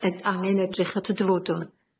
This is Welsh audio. yn angen edrych at y dyfodol.